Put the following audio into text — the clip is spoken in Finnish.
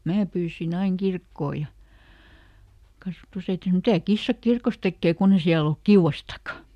minä pyysin aina kirkkoon ja kasvatusäiti sanoi mitä kissa kirkossa tekee kun ei siellä ole kiuastakaan